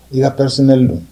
I'a taas don